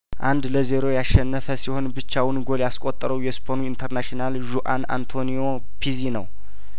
አንድ ለዜሮ ያሸነፈ ሲሆን ብቻውን ጐል ያስቆጠረው የስፔኑ ኢንተርናሽናል ዡ አንአንቶኒዮ ፒዚ ነው